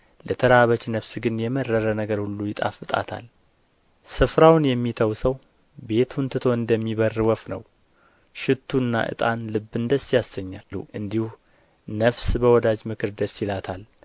ለተራበች ነፍስ ግን የመረረ ነገር ሁሉ ይጣፍጣታል ስፍራውን የሚተው ሰው ቤቱን ትቶ እንደሚበርር ወፍ ነው ሽቱና ዕጣን ልብን ደስ ያሰኛሉ እንዲሁ ነፍስ በወዳጁ ምክር ደስ ይላታል